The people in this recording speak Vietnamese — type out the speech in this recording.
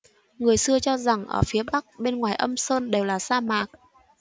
người xưa cho rằng ở phía bắc bên ngoài âm sơn đều là sa mạc